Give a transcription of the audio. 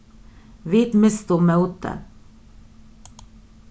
vit mistu mótið